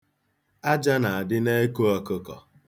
Aja na-adị n'eko ọkụkọ.